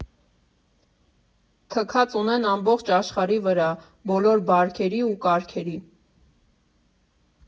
Թքած ունեն ամբողջ աշխարհի վրա, բոլոր բարքերի ու կարգերի։